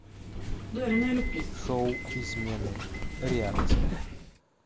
шоу измены реакция